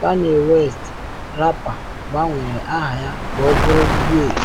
Kanye West: Rapa gbanwere aha ya ka ọ bụrụ Ye